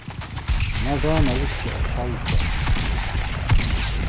mær dámar ikki at tjalda